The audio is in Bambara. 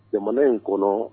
Jamana in n kɔnɔ